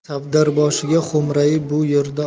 savdarboshiga xo'mrayib bu yerda